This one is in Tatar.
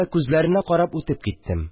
Күзләренә карап үтеп киттем